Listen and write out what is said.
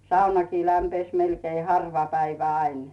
saunakin lämpisi melkein harva päivä aina